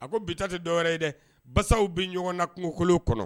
A ko bitatɛ dɔwɛrɛ ye dɛ basaw bɛ ɲɔgɔn na kungo kolo kɔnɔ